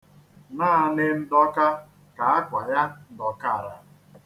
Naanị ndọka ka akwa ya dọkara.